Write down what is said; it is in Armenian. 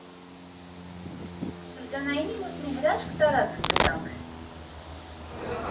Շրջանայինի մոտ մի հրաշք տարածք գտանք։